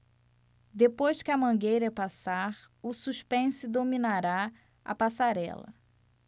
depois que a mangueira passar o suspense dominará a passarela